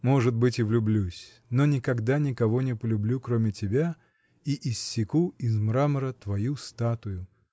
— Может быть, и влюблюсь, но никогда никого не полюблю, кроме тебя, и иссеку из мрамора твою статую.